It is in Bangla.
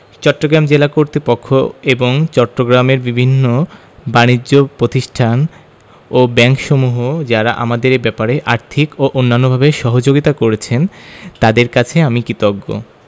চট্টগ্রাম জেলা কর্তৃপক্ষ এবং চট্টগ্রামের বিভিন্ন বানিজ্য প্রতিষ্ঠান ও ব্যাংকসমূহ যারা আমাদের এ ব্যাপারে আর্থিক এবং অন্যান্যভাবে সহযোগিতা করেছেন তাঁদের কাছে আমি কৃতজ্ঞ